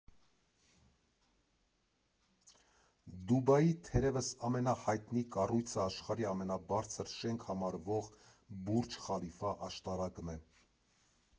Դուբայի, թերևս, ամենահայտնի կառույցը աշխարհի ամենաբարձր շենք համարվող Բուրջ խալիֆա աշտարակն է։